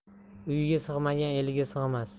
uyiga sig'magan eliga sig'mas